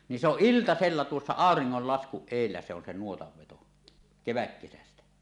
niin se on iltasella tuossa auringonlaskun edellä se on se nuotan veto kevätkesästä